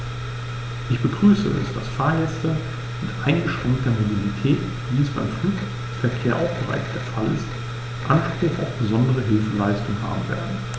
Ich begrüße es, dass Fahrgäste mit eingeschränkter Mobilität, wie es beim Flugverkehr auch bereits der Fall ist, Anspruch auf besondere Hilfeleistung haben werden.